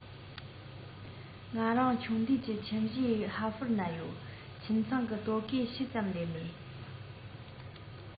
ང རང ཆུང དུས ཀྱི ཁྱིམ གཞིས ཧྭ ཧྥོར ན ཡོད ཁྱིམ ཚང གི ལྟོ གོས ཕྱིད ཙམ ལས མེད